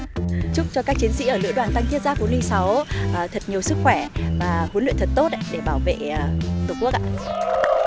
chúc cho các chiến sĩ ở lữ đoàn tăng thiết giáp bốn linh sáu thật nhiều sức khỏe và huấn luyện thật tốt để bảo vệ tổ quốc ạ